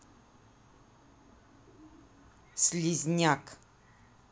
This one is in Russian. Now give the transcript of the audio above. слизняк